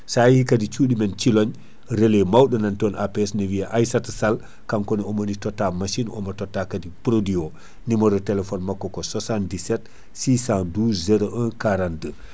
sa yeehi kaadi cuɗimen Thilogne relais mawɗo nanton APS ne wiye Aissata Sall kanko ne omoni totta machine omo totta kaadi produit o numéro téléphone makko ko 77 612 01 42